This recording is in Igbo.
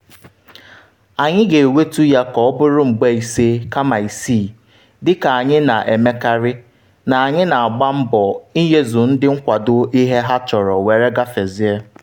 Anyị ga-ewetu ya ka ọ bụrụ mgba ise kama isii - dịka anyị na-emekarị - na anyị na-agba mbọ inyezu ndị nkwado ihe ha chọrọ were gafezie.